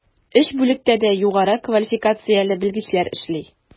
Өч бүлектә дә югары квалификацияле белгечләр эшли.